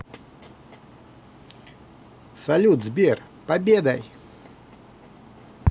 салют сбер победой